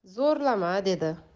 zo'rlama dedi